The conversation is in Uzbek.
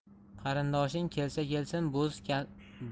qarindoshing kelsa kelsin